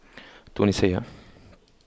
تونسية